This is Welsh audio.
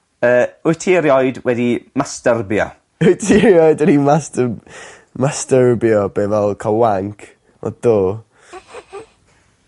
Yy wyt ti erioed wedi mastyrbio? Wyt ti erioed wedi master- mastyrbio? Be' fel ca'l wank? Wel do.